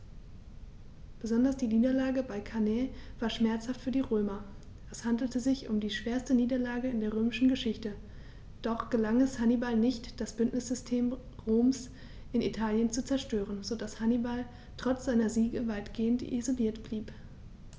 Besonders die Niederlage bei Cannae war schmerzhaft für die Römer: Es handelte sich um die schwerste Niederlage in der römischen Geschichte, doch gelang es Hannibal nicht, das Bündnissystem Roms in Italien zu zerstören, sodass Hannibal trotz seiner Siege weitgehend isoliert blieb.